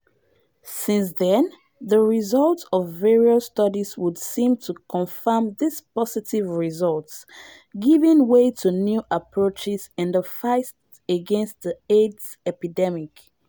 Since then, the results of various studies would seem to confirm these positive results, giving way to new approaches in the fight against the AIDS epidemic.